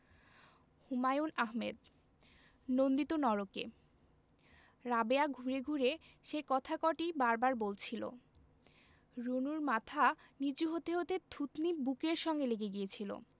হুমায়ুন আহমেদ নন্দিত নরকে রাবেয়া ঘুরে ঘুরে সেই কথা কটিই বার বার বলছিলো রুনুর মাথা নীচু হতে হতে থুতনি বুকের সঙ্গে লেগে গিয়েছিলো